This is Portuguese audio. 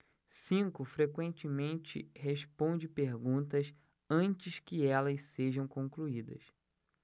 cinco frequentemente responde perguntas antes que elas sejam concluídas